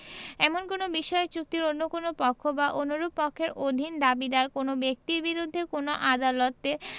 এমন কোন বিষয়ে চুক্তির অন্য কোন পক্ষ বা অনুরূপ পক্ষের অধীন দাবিীদার কোন ব্যক্তির বিরুদ্ধে কোন আদালতে